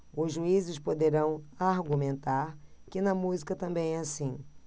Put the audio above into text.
os juízes poderão argumentar que na música também é assim